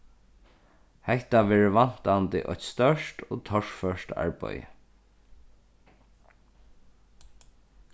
hetta verður væntandi eitt stórt og torført arbeiði